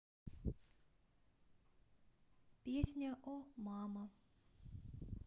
песня о мама